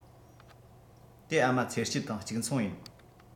དེ ཨ མ ཚེ སྐྱིད དང གཅིག མཚུངས ཡིན